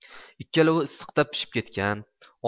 ikkalovi issiqda pishib ketgan